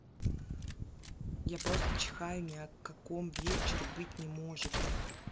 я просто чихаю ни о каком вечере быть не может